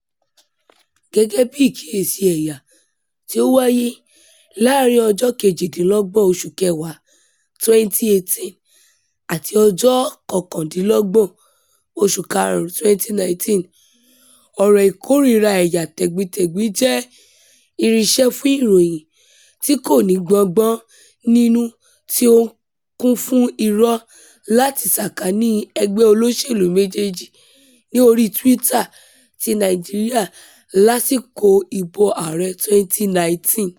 Gẹ́gẹ́ bí ìkíyèsí ẹ̀yà tí ó wáyé láàárín ọjọ́ 28 oṣù kẹwàá, 2018, àti ọjọ́ 29, oṣù karùn-ún 2019, ọ̀rọ̀ ìkórìíra ẹ̀yà tẹ̀gbintẹ̀gbin jẹ́ irinṣẹ́ fún ìròyìn tí kò ní gbọ́ngbọ́n ń'nú tí ó kún fún irọ́ láti sàkání ẹgbẹ́ olóṣèlú méjèèjì ní oríi Twitter ti Nàìjíríà lásìkò ìbò ààrẹ 2019.